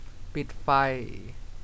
ปิดไฟ